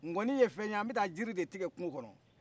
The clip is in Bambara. ŋɔni ye fɛn ye an bɛ taa jiri tigɛ kungo kɔnɔ